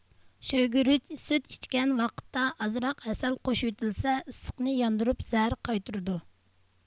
شوۋىگۈرۈچ سۈت ئىچكەن ۋاقىتتا ئازراق ھەسەل قوشۇۋېتىلسە ئىسسىقىنى ياندۇرۇپ زەھەر قايتۇرىدۇ